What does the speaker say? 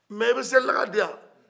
nka i bɛ seli daga di n ma